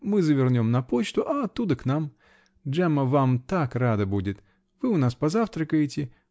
Мы завернем на почту, а оттуда к нам. Джемма вам так рада будет! Вы у нас позавтракаете.